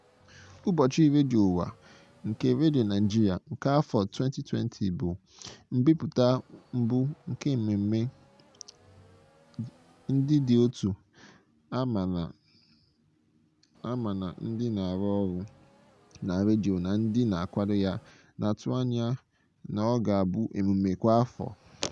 Ụbọchị Redio Ụwa nke Redio Naịjirịa nke afọ 2020 bụ mbipụta mbụ nke mmemme ndị dị otu a mana ndị na-arụ ọrụ na redio na ndị na-akwado ya na-atụ anya na ọ ga-abụ emume kwa afọ.